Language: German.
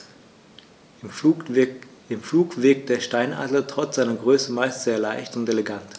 Im Flug wirkt der Steinadler trotz seiner Größe meist sehr leicht und elegant.